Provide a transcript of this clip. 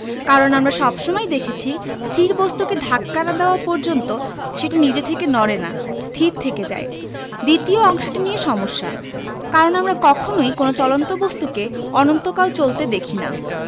কারণ আমরা সব সময়ই দেখেছি স্থির বস্তুকে ধাক্কা না দেওয়া পর্যন্ত সেটা নিজে থেকে নড়ে না স্থির থেকে যায় দ্বিতীয় অংশটি নিয়ে সমস্যা কারণ আমরা কখনোই কোনো চলন্ত বস্তুকে অনন্তকাল চলতে দেখি না